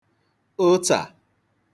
ụtsà